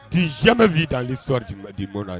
T zma'i da ali so diɔnna